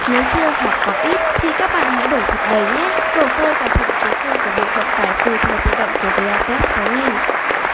nếu chưa hoặc có ít thì các bạn hãy đổ thật đầy nhé đổ phôi vào thùng chứa phôi của bộ phận tải phôi chai tự động của vapet